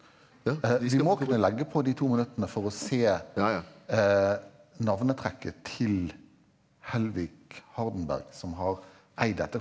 vi må kunne legge på de to minuttene for å se navnetrekket til Helvig Hardenberg som har eid dette.